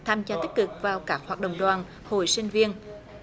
tham gia tích cực vào các hoạt động đoàn hội sinh viên